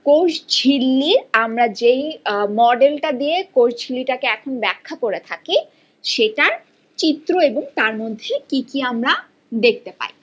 কোষঝিল্লির আমরা যে মডেল টা দিয়ে কোষঝিল্লি টাকে এখন ব্যাখ্যা করে থাকি সেটার চিত্র এবং তার মধ্যে কি কি আমরা দেখতে পাই